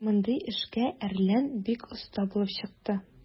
Мондый эшкә "Әрлән" бик оста булып чыкты.